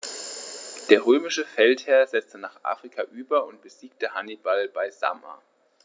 Der römische Feldherr setzte nach Afrika über und besiegte Hannibal bei Zama.